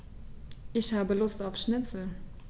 Ich habe Lust auf Schnitzel.